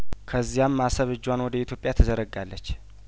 ከዚያም አሰብ እጇን ወደ ኢትዮጵያት ዘረጋለች